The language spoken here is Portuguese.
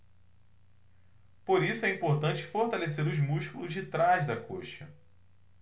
por isso é importante fortalecer os músculos de trás da coxa